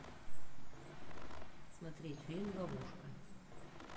смотреть фильм ловушка